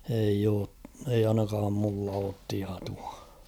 ei ole ei ainakaan minulla ole tietoa